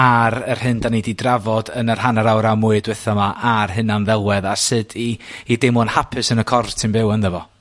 ar yr hyn 'dan ni 'di drafod yn yr hanner awr a mwy dwytha 'ma ar hunan-ddelwedd a sut i i deimlo'n hapus yn y corff ti'n byw ynddo fo.